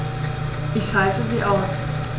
Ich schalte sie aus.